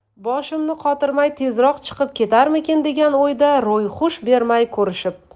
boshimni qotirmay tezroq chiqib ketarmikin degan o'yda ro'yxush bermay ko'rishib